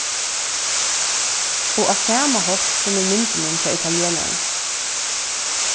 og á sama hátt sum í myndunum hjá italienaranum